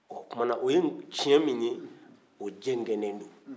o tuma na o ye tiɲɛ min ye o jɛngɛlen don